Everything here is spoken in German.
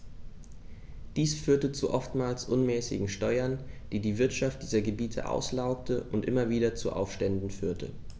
Dies führte zu oftmals unmäßigen Steuern, die die Wirtschaft dieser Gebiete auslaugte und immer wieder zu Aufständen führte.